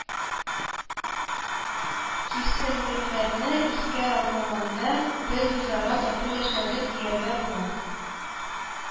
Кискенлекләрне искә алмаганда, без үзара тату яшәдек, дияргә була